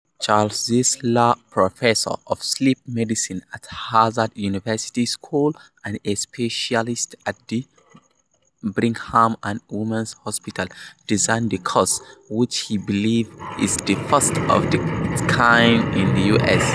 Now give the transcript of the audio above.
Charles Czeisler, professor of sleep medicine at Harvard Medical School and a specialist at the Brigham and Women's Hospital, designed the course, which he believes is the first of its kind in the US.